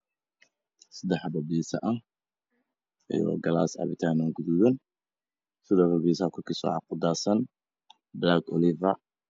Sadax xabo bins ah iyo galas cabitano gadudan sidokle binsaha korkisa waxa kudadsan dag oliver